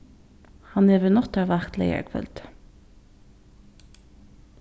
hann hevur náttarvakt leygarkvøldið